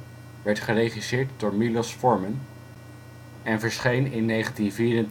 geregisseerd door Milos Forman en verscheen in 1984